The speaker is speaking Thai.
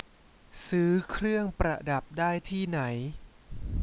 ซื้อเครื่องประดับได้ที่ไหน